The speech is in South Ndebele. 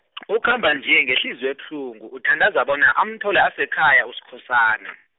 ukhamba nje ngehliziyo ebuhlungu, uthandaza bona amthole asekhaya Uskhosana.